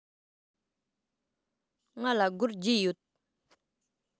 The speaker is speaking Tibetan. ང ལ སྒོར བརྒྱད ཡོད